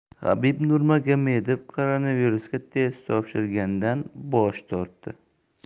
habib nurmagomedov koronavirusga test topshirishdan bosh tortdi